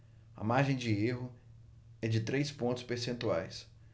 a margem de erro é de três pontos percentuais